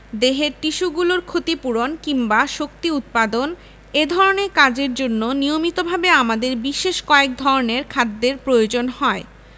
দেহের টিস্যুগুলোর ক্ষতি পূরণ কিংবা শক্তি উৎপাদন এ ধরনের কাজের জন্য নিয়মিতভাবে আমাদের বিশেষ কয়েক ধরনের খাদ্যের প্রয়োজন হয়